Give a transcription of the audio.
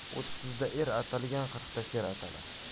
o'ttizida er atangan qirqida sher atanar